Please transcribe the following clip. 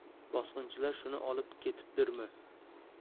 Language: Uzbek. bosqinchilar shuni olib ketibdirmi